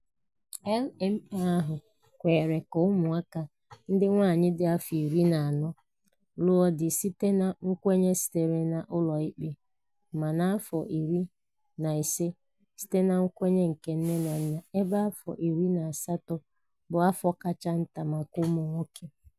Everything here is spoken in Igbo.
LMA ahụ kwere ka ụmụaka ndị nwaanyị dị afọ 14 lụọ di site na nkwenye sitere n'ụlọ ikpe ma n'afọ 15 site na nkwenye nke nne na nna ebe afọ 18 bụ afọ kacha nta maka nwoke.